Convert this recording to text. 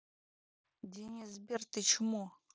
денис сбер ты чмо